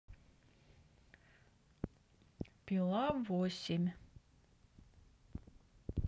пила восемь